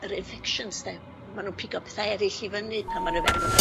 yr infections 'de ma' nw'n pigo pethe eryll i fyny pan ma' n'w fewn yn yr